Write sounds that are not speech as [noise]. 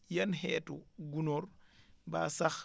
yan xeetu gunóor [breath] mbaa sax